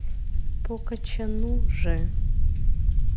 по кочану же